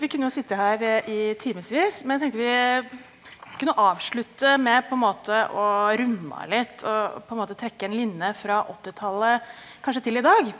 vi kunne jo sittet her i timesvis men tenkte vi kunne avslutte med på en måte å runde av litt og på en måte trekke en linje fra åttitallet kanskje til i dag?